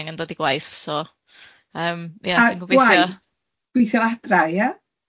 i angen dod i gwaith, so yym ia dan ni'n gobeithio... A gwaith, gweithio adra, ia?